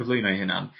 cyflwyno 'u hunan